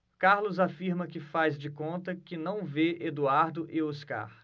carlos afirma que faz de conta que não vê eduardo e oscar